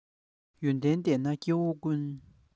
ཡོན ཏན ལྡན ན སྐྱེ བོ ཀུན